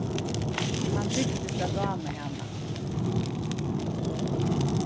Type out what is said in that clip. hann tyktist at dáma hana